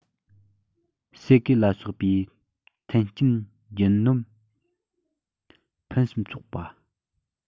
ཟས གོས ལ སོགས པའི མཐུན རྐྱེན རྒྱུ ནོམ ཕུན སུམ ཚོགས པ